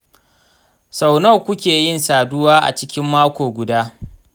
sau nawa kuke yin saduwa a cikin mako guda?